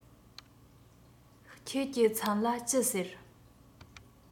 ཁྱེད ཀྱི མཚན ལ ཅི ཟེར